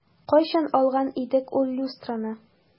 Кайчан алган идек ул люстраны?